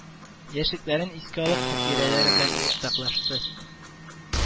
Яшьлекләрен искә алып, хатирәләре белән уртаклашты